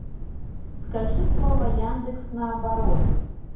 скажи слово яндекс наоборот